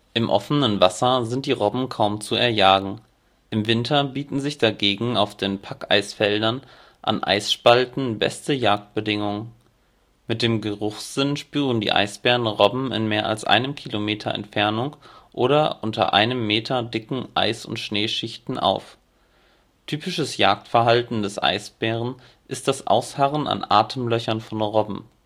Im offenen Wasser sind die Robben kaum zu erjagen. Im Winter bieten sich dagegen auf den Packeisfeldern an Eisspalten beste Jagdbedingungen; mit dem Geruchssinn spüren die Eisbären Robben in mehr als 1 Kilometer Entfernung oder unter 1 Meter dicken Eis - oder Schneeschichten auf. Typisches Jagdverhalten des Eisbären ist das Ausharren an Atemlöchern von Robben